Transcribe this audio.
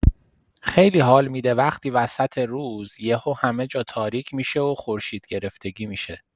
خیلی حال می‌ده وقتی وسط روز، یهو همه جا تاریک می‌شه و خورشیدگرفتگی می‌شه.